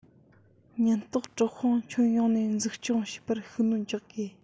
ཉེན རྟོག དྲག དཔུང ཁྱོན ཡོངས ནས འཛུགས སྐྱོང བྱེད པར ཤུགས སྣོན རྒྱག དགོས